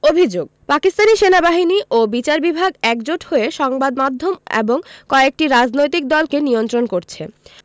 অভিযোগ পাকিস্তানি সেনাবাহিনী ও বিচার বিভাগ একজোট হয়ে সংবাদ মাধ্যম এবং কয়েকটি রাজনৈতিক দলকে নিয়ন্ত্রণ করছে